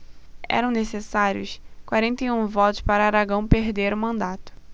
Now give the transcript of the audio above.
eram necessários quarenta e um votos para aragão perder o mandato